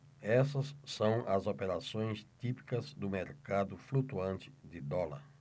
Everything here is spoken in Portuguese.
essas são as operações típicas do mercado flutuante de dólar